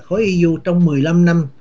khối i iu trong mười lăm năm